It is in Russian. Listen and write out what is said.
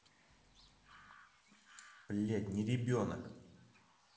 блять не ребенок